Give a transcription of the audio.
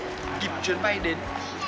kịp chuyến bay đến